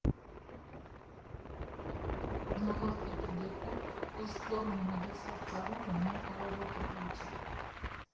Նախորդ կետի դեպքում կուշտ փորն ու հագեցված ծարավը միակ կարևոր կետերը չեն։